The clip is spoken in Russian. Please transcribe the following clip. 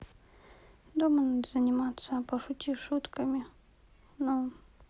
дома надо заниматься а пошути шутками но